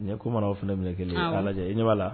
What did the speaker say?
Ne kumana o fɛnɛ minɛ 1 awɔ a lajɛ i ɲɛ b'a la